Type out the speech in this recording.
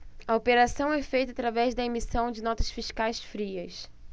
a operação é feita através da emissão de notas fiscais frias